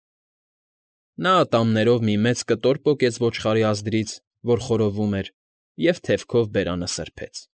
Նա ատամներով մի մեծ կտոր պոկեց ոչխարի ազդրից, որ խորովում էր, և թևքով բերանը սրբեց։